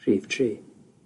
Rhif tri.